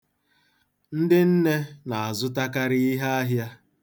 Ndị nne na-azụtakarị iheahịa.